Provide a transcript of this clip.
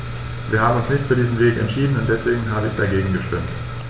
Wir haben uns nicht für diesen Weg entschieden, und deswegen habe ich dagegen gestimmt.